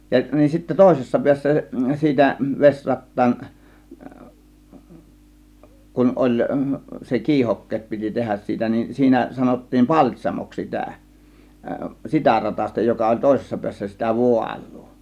ja niin sitten toisessa päässä siitä vesirattaan kun oli se kiihokkeet piti tehdä siitä niin siinä sanottiin paltsamoksi sitä sitä ratasta joka oli toisessa päässä sitä vaalua